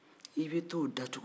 i bɛ t'o dacogo la